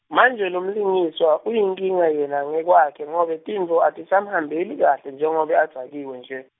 manje lomlingiswa, uyinkinga yena ngekwakhe ngobe tintfo atisamhambeli kahle njengobe adzakiwe nje.